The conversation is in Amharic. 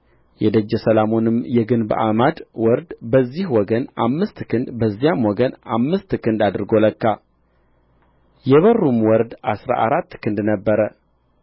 የደጀ ሰላሙንም የግንብ አዕማድ ወርድ በዚህ ወገን አምስት ክንድ በዚያም ወገን አምስት ክንድ አድርጎ ለካ የበሩም ወርድ አሥራ አራት ክንድ ነበረ